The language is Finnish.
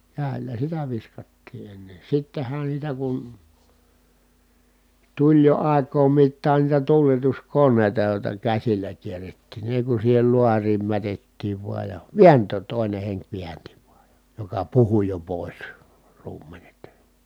käsillä sitä viskattiin ennen sittenhän sitä kun tuli jo aikojen mittaan niitä tuuletuskoneita joista käsillä kierrettiin niin ei kun siihen laariin mätettiin vain ja vääntää toinen henki väänsi vain ja joka puhui jo pois ruumenet